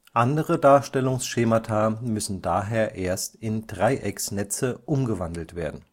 andere Darstellungsschemata müssen daher erst in Dreiecksnetze umgewandelt werden